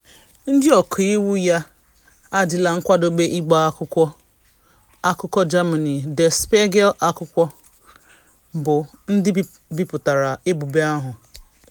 Ndị ọka iwu ya adịla nkwadobe ịgba akwụkwọ akụkọ Germany, Der Spiegel akwụkwọ, bụ ndị biputara ebubo ahụ.